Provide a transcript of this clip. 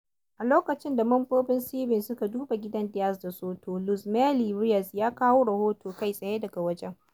[Cigaba] A lokacin da mambobin SEBIN suke duba gidan Diaz da Soto, Luz Mely Reyes ya kawo rahoto kai tsaye daga wajen.